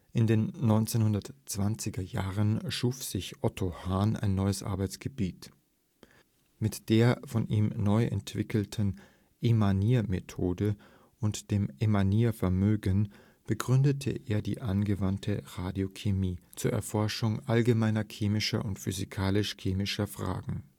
In den 1920er Jahren schuf sich Otto Hahn ein neues Arbeitsgebiet: Mit der von ihm neuentwickelten „ Emaniermethode “und dem „ Emaniervermögen “begründete er die „ Angewandte Radiochemie “zur Erforschung allgemeiner chemischer und physikalisch-chemischer Fragen